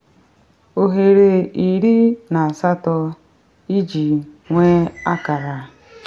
Oghere18 iji nwee akara.